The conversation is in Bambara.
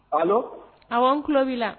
Paul awan tulo'i la